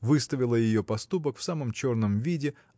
выставила ее поступок в самом черном виде